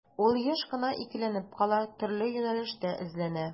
Ул еш кына икеләнеп кала, төрле юнәлештә эзләнә.